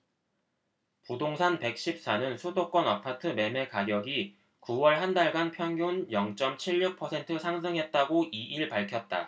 부동산 백 십 사 는 수도권 아파트 매매가격이 구 월 한달간 평균 영 쩜 칠 육 퍼센트 상승했다고 이 일 밝혔다